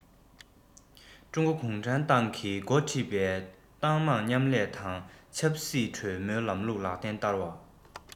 ཀྲུང གོ གུང ཁྲན ཏང གིས འགོ ཁྲིད པའི ཏང མང མཉམ ལས དང ཆབ སྲིད གྲོས མོལ ལམ ལུགས ལག ལེན བསྟར བ